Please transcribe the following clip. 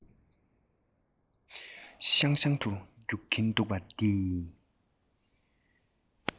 ཤང ཤང དུ རྒྱུག གིན འདུག པ འདི